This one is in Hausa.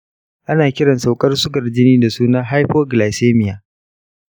ana kiran saukar sugan jini da suna hypoglycaemia.